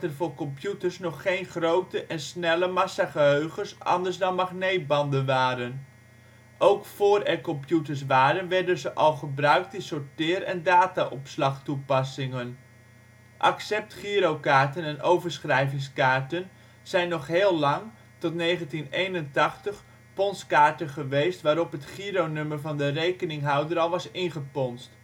voor computers nog geen grote en snelle massageheugens anders dan magneetbanden waren. Ook voor er computers waren werden ze al gebruikt in sorteer - en data-opslagtoepassingen. Acceptgirokaarten en overschrijvingskaarten zijn nog heel lang (tot in de jaren ' 70) ponskaarten geweest waarop het gironummer van de houder al was ingeponst